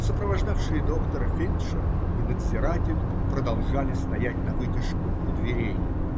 Сопровождавшие доктора фельдшер и надзиратель продолжали стоять навытяжку у дверей.